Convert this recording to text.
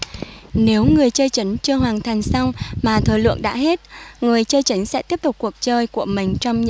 nếu người chơi chính chưa hoàn thành xong mà thời lượng đã hết người chơi chính sẽ tiếp tục cuộc chơi của mình trong